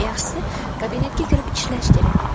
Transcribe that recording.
yaxshisi kabinetga kirib ishlash kerak